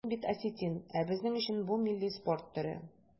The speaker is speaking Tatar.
Мин бит осетин, ә безнең өчен бу милли спорт төре.